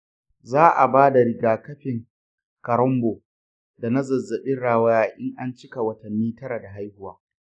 za'a bada rigakafin karonbo da na zazzabin rawaya in an cika watanni tara da haihuwa.